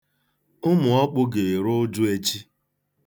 Ụmụọkpụ ga-eru ụjụ echi.